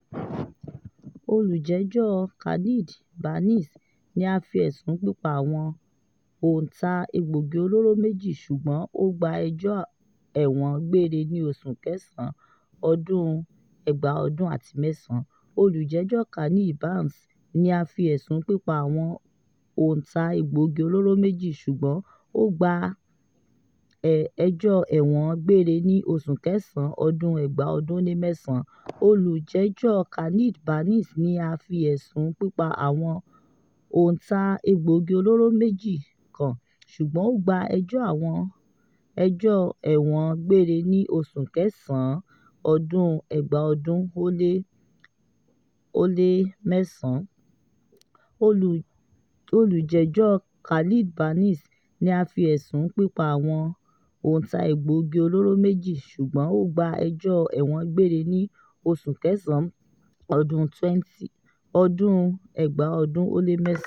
Olùjẹ́jọ́ Khalid Barnes, ni a fi ẹ̀sùn pípa àwọn oǹtà egbògi olóró méjì ṣùgbọ́n ó gba ẹjọ́ ẹ̀wọ̀n gbére ní oṣù kẹsàn-án ọdún 2009.